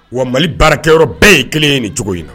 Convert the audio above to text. Wa mali baarakɛ yɔrɔ bɛɛ ye kelen ye nin cogo in na